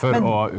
men.